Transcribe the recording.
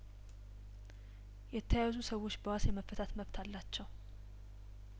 የተያዙ ሰዎች በዋስ የመፈታት መብት አላቸው